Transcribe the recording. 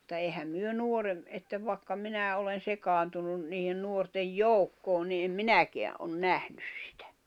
mutta eihän me - että vaikka minä olen sekaantunut niiden nuorten joukkoon niin en minäkään ole nähnyt sitä